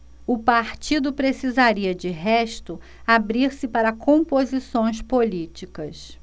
o partido precisaria de resto abrir-se para composições políticas